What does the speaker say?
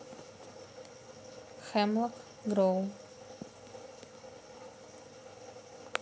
хемлок гроув